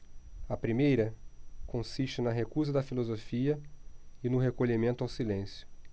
a primeira consiste na recusa da filosofia e no recolhimento ao silêncio